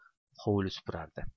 hovli supurardi